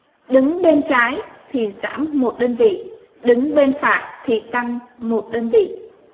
đứng bên trái thì giảm đơn vị đứng bên phải thì tăng đơn vị